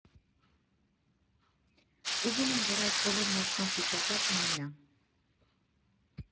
Ուզում եմ, որ այդ բոլոր մարդկանց հիշատակը մնա։